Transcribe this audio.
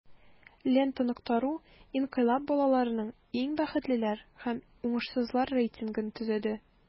"лента.ру" инкыйлаб балаларының иң бәхетлеләр һәм уңышсызлар рейтингын төзеде.